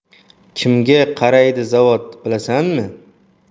kimga qaraydi zavod bilasanmi